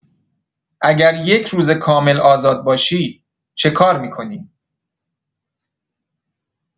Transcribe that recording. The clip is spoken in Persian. اگر یک روز کامل آزاد باشی چه کار می‌کنی؟